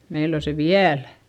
meillä on se vielä